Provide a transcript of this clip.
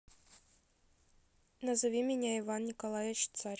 назови меня иван николаевич царь